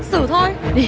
xử thôi